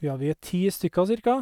Ja, vi er ti stykker, cirka.